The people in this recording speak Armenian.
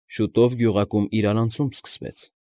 Շուտով գյուղակում իրարանցում սկսվեց։